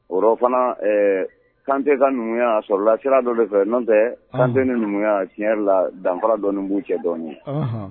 O la fana ɛɛ Kante ka numuya a sɔrɔla sira dɔ de fɛ, Kante ni numuya tiɲɛ yɛrɛ la danfara dɔɔnin b'u cɛ dɔɔnin, anhan